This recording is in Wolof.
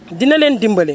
dina leen dimbale